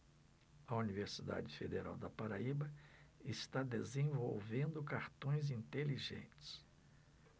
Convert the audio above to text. a universidade federal da paraíba está desenvolvendo cartões inteligentes